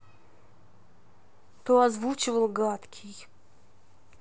кто озвучивал гадкий